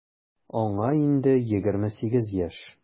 Аңа инде 28 яшь.